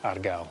ar ga'l.